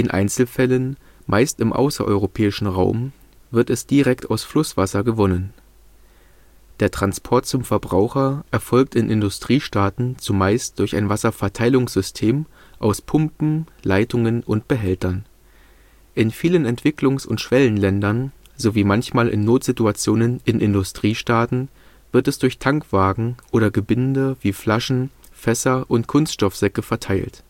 Einzelfällen, meist im außereuropäischen Raum, wird es direkt aus Flusswasser gewonnen. Der Transport zum Verbraucher erfolgt in Industriestaaten zumeist durch ein Wasserverteilungssystem aus Pumpen, Leitungen und Behältern. In vielen Entwicklungs - und Schwellenländern sowie manchmal in Notsituationen in Industriestaaten wird es durch Tankwagen oder Gebinde wie Flaschen, Fässer und Kunststoffsäcke verteilt